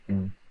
Hmm.